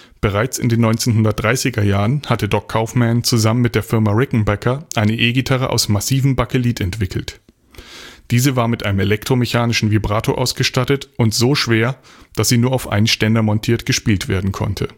Bereits in den 1930er Jahren hatte „ Doc “Kaufmann zusammen mit der Firma Rickenbacker eine E-Gitarre aus massivem Bakelit entwickelt. Diese war mit einem elektromechanischen Vibrato ausgestattet und so schwer, dass sie nur auf einen Ständer montiert gespielt werden konnte